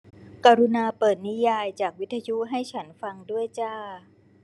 กรุณาเปิดนิยามจากวิทยุให้ฉันฟังด้วยจ้า